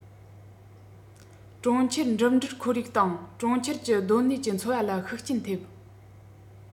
གྲོང ཁྱེར འགྲིམ འགྲུལ ཁོར ཡུག དང གྲོང ཁྱེར གྱི སྡོད གནས ཀྱི འཚོ བ ལ ཤུགས རྐྱེན ཐེབས